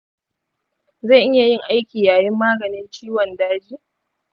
zan iya yin aiki yayin maganin ciwon daji?